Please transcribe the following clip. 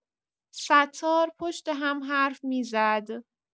ستار پشت هم حرف می‌زد.